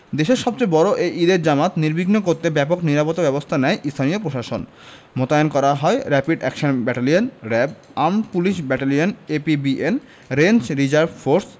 দেশের সবচেয়ে বড় এই ঈদের জামাত নির্বিঘ্ন করতে ব্যাপক নিরাপত্তাব্যবস্থা নেয় স্থানীয় প্রশাসন মোতায়েন করা হয় rapid action battalion RAB armed police battalion APBN range reserve force